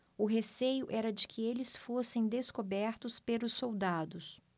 o receio era de que eles fossem descobertos pelos soldados